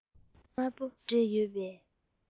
དམར པོ འདྲེས ཡོད པས